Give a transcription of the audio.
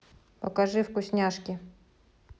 покажи вкусняшки